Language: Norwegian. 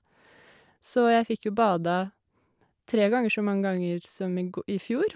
Så jeg fikk jo bada tre ganger så mange ganger som i gå i fjor.